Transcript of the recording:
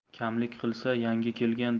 kamlik qilsa yangi kelgan